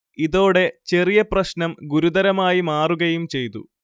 ഇതോടെ ചെറിയ പ്രശ്നം ഗുരുതരമായി മാറുകയും ചെയ്തു